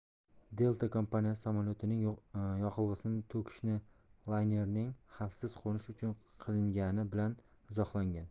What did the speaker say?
delta kompaniyasi samolyotning yoqilg'isini to'kishini laynerning xavfsiz qo'nishi uchun qilingani bilan izohlagan